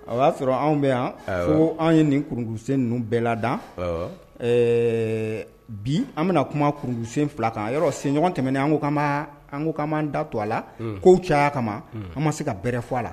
O y'a sɔrɔ anw bɛ yan ko anw ye nin kurusen ninnu bɛɛ lada bi an bɛna kuma kurusen fila kan yɔrɔ senɲɔgɔn tɛmɛnɛna anba ankokan da to a la k' caya kama an ma se karɛ fɔ a la